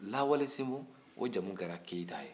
lawalesinbon o jamu kɛra keyita ye